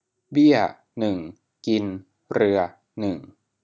เบี้ยหนึ่งกินเรือหนึ่ง